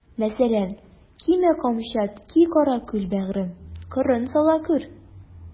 Мәсәлән: Кимә камчат, ки каракүл, бәгърем, кырын сала күр.